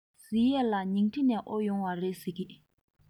ཟེར ཡས ལ ཉིང ཁྲི ནས དབོར ཡོང བ རེད ཟེར གྱིས